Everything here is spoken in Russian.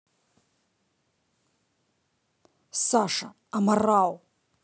саша аморал